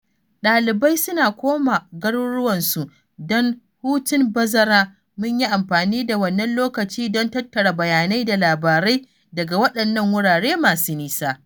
Ɗalibai suna koma garuruwansu don hutun bazara: mun yi amfani da wannan lokaci don tattara bayanai da labarai daga waɗannan wurare masu nisa.